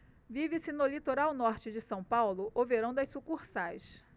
vive-se no litoral norte de são paulo o verão das sucursais